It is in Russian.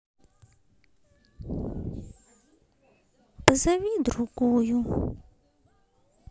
позови другую